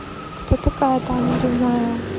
кто такая таня безнаева